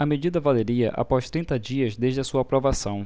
a medida valeria após trinta dias desde a sua aprovação